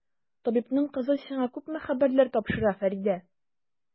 Табибның кызы сиңа күпме хәбәрләр тапшыра, Фәридә!